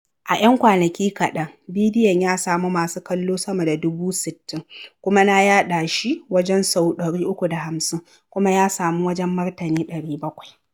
A 'yan kwanaki kaɗan, bidiyon ya samu masu kallo sama da dubu 60, kuma na yaɗa shi wajen sau 350 kuma ya samu wajen martani 700.